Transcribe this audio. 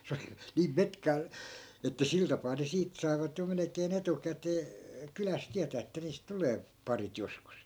se oli niin metkaa että sillä tapaa ne siitä saivat jo melkein etukäteen kylässä tietää että niistä tulee parit joskus